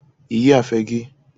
Yìlị àfè gị